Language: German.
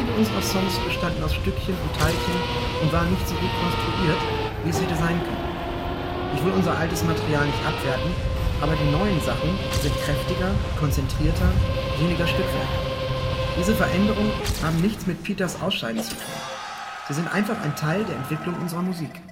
unserer Songs bestanden aus Stückchen und Teilchen und waren nicht so gut konstruiert, wie es hätte sein können. Ich will unser altes Material nicht abwerten, aber die neuen Sachen sind kräftiger, konzentrierter, weniger Stückwerk. Diese Veränderungen haben nichts mit Peters Ausscheiden zu tun. Sie sind einfach ein Teil der Entwicklung unserer Musik